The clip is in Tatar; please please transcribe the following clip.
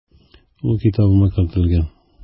Ул китабыма кертелгән.